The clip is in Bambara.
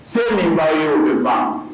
Se min'a ye o u ban